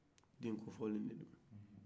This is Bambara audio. den kofɔlen de do